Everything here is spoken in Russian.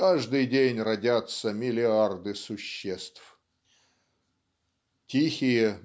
Каждый день родятся миллиарды существ". "Тихие